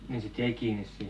niin sitten jäi kiinni siihen